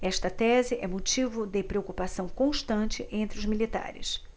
esta tese é motivo de preocupação constante entre os militares